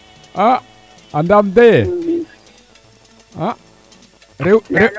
a andam daye a rew